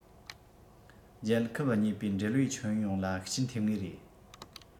རྒྱལ ཁབ གཉིས པོའི འབྲེལ བའི ཁྱོན ཡོངས ལ ཤུགས རྐྱེན ཐེབས ངེས རེད